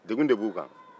degun de b'u kan